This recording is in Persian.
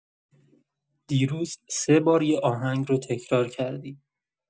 دیروز سه بار یه آهنگ رو تکرار کردی.